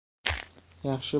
yaxshi boshlaydi yo'lga